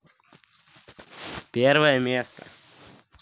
первое место